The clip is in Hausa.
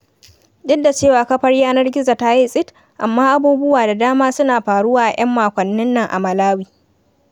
Duk da cewa kafar yanar gizo ta yi tsit, amma abubuwa da dama suna faruwa a 'yan makwannin nan a Malawi.